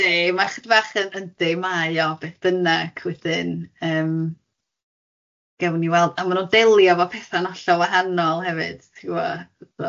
Ma' chydig bach yn yndi mae o beth bynnag wedyn yym gewn ni weld a ma' nhw'n delio efo petha'n hollol wahanol hefyd ti'n gwbod so.